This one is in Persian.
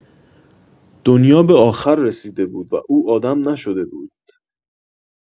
دنیا به آخر رسیده بود و او آدم نشده بود!